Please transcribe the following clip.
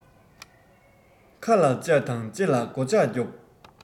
ཁ ལ ལྕགས དང ལྕེ ལ སྒོ ལྩགས རྒྱོབ